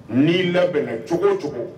Ni labɛnna cogo cogo